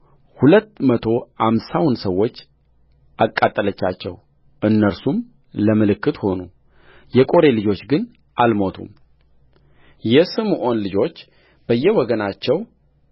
ሁለት መቶ አምሳውን ሰዎች አቃጠለቻቸው እነርሱም ለምልክት ሆኑየቆሬ ልጆች ግን አልሞቱምየስምዖን ልጆች በየወገናቸው